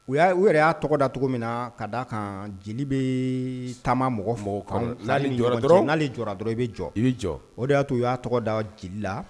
U y' u yɛrɛ y'a tɔgɔ da cogo min na ka d da kan jeli bɛ taama mɔgɔ mɔgɔw kan jɔra dɔrɔn i bɛ jɔ i bɛ jɔ o de y'a to u y'a tɔgɔda jeli la